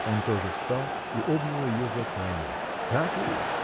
Он тоже встал и обнял ее за талию. — Так ли?